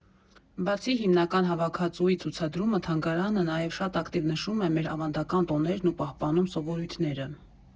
Բացի հիմնական հավաքածուի ցուցադրումը թանգարանը նաև շատ ակտիվ նշում է մեր ավանդական տոներն ու պահպանում սովորույթները։